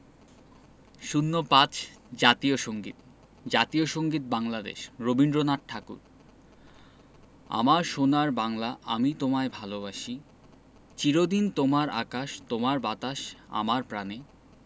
০৫ জাতীয় সংগীত জাতীয় সংগীত বাংলাদেশ রবীন্দ্রনাথ ঠাকুর আমার সোনার বাংলা আমি তোমায় ভালোবাসি চির দিন তোমার আকাশ তোমার বাতাস আমার প্রাণে